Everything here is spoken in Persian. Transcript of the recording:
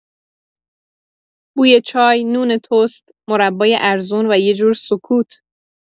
بوی چای، نون تست، مربای ارزون، و یه جور سکوت.